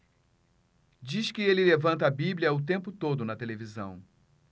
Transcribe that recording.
diz que ele levanta a bíblia o tempo todo na televisão